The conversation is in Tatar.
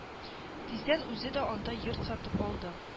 Тиздән үзе дә анда йорт сатып алды